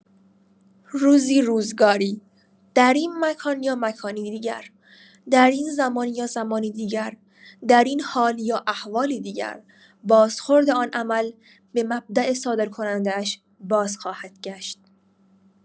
روزی روزگاری در این مکان یا مکانی دیگر، در این زمان یا زمانی دیگر، در این حال یا احوالی دیگر، بازخورد آن عمل به مبدا صادرکننده‌اش باز خواهد گشت.